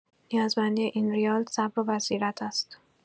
نیازمندی اینریال صبر و بصیرت است.